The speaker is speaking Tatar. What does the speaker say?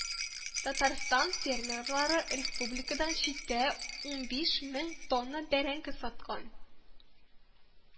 Татарстан фермерлары республикадан читтә унбиш мең тонна бәрәңге саткан